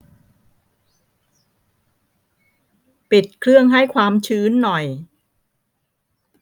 ปิดเครื่องให้ความชื้นหน่อย